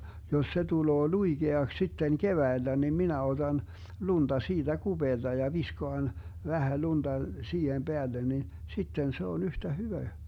jos se tulee luikeaksi sitten keväällä niin minä otan lunta siitä kupeelta ja viskaan vähän lunta siihen päälle niin sitten se on yhtä hyvä